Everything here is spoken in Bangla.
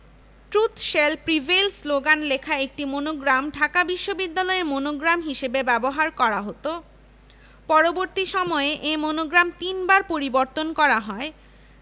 ট্রুত শেল প্রিভেইল শ্লোগান লেখা একটি মনোগ্রাম ঢাকা বিশ্ববিদ্যালয়ের মনোগ্রাম হিসেবে ব্যবহার করা হতো পরবর্তী সময়ে এ মনোগ্রাম তিনবার পরিবর্তন করা হয়